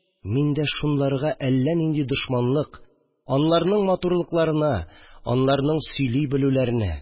Миндә шуларга әллә нинди дошманлык, аларның матурлыкларына, аларның сөйли белүләренә